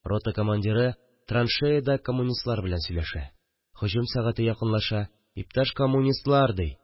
Рота командиры траншеяда коммунистлар белән сөйләшә: һөҗүм сәгате якынлаша, иптәш коммунистлар, ди